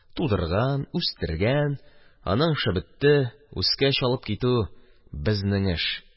Тудырган, үстергән – аның эше бетте, үскәч алып китү – безнең эш.